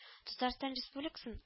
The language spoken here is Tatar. Татарстан Республикасын